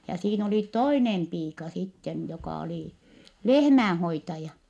ja siinä oli toinen piika sitten joka oli lehmänhoitaja